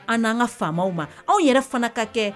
An nan ka faamaw ma anw yɛrɛ fana ka kɛ